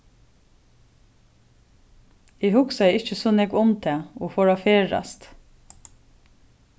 eg hugsaði ikki so nógv um tað og fór at ferðast